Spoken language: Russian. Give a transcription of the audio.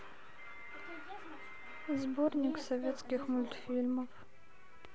сборник советских мультфильмов